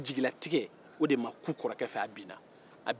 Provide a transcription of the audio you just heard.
jigilatigɛ ma kun kɔrɔkɛ fɛ a binna